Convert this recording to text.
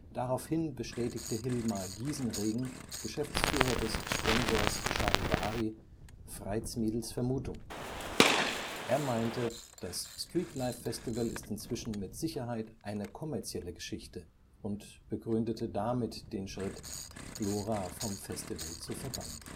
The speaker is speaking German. Daraufhin bestätigte Hilmar Giesenregen, Geschäftsführer des Sponsors Charivari, Freitsmiedls Vermutung. Er meinte: „ Das Streetlife Festival ist inzwischen mit Sicherheit eine kommerzielle Geschichte “und begründete damit den Schritt, Lora vom Festival zu verbannen